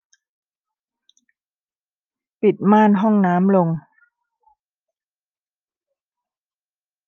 ปิดม่านห้องน้ำลง